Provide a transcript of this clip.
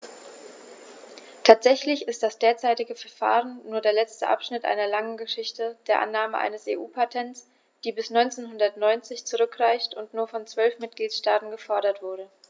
Tatsächlich ist das derzeitige Verfahren nur der letzte Abschnitt einer langen Geschichte der Annahme eines EU-Patents, die bis 1990 zurückreicht und nur von zwölf Mitgliedstaaten gefordert wurde.